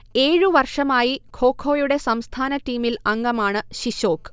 ഏഴു വർഷമായി ഖോഖൊയുടെ സംസ്ഥാന ടീമിൽ അംഗമാണു ശിശോക്